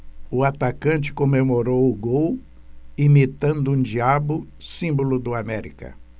o atacante comemorou o gol imitando um diabo símbolo do américa